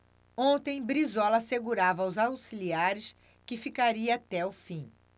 ontem brizola assegurava aos auxiliares que ficaria até o fim